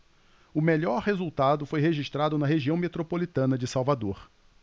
o melhor resultado foi registrado na região metropolitana de salvador